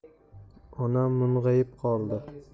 onam mung'ayib qoldi